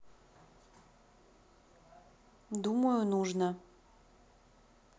думаю нужно